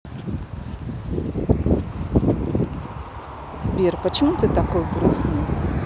сбер почему ты такой грустный